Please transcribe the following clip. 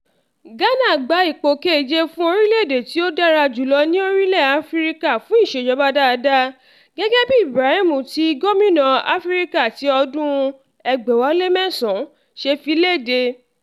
Ghana gba ipò keje fún orílẹ̀-èdè tí ó dára jùlọ ní orílẹ̀ Áfíríkà fún ìṣèjọba dáadáa gẹ́gẹ́ bí Ibrahim Index of African Governance ti ọdún 2009 ṣe fi léde.